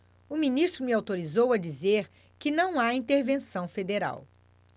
o ministro me autorizou a dizer que não há intervenção federal